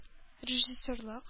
Режиссерлык